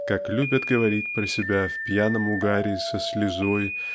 как любят говорить про себя в пьяном угаре со слезой